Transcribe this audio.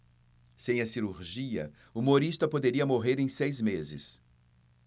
sem a cirurgia humorista poderia morrer em seis meses